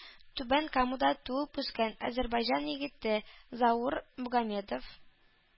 Түбән Камада туып-үскән әзербайҗан егете Заур Магомедов